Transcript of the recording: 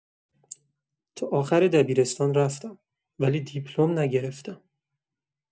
تا آخر دبیرستان رفتم، ولی دیپلم نگرفتم.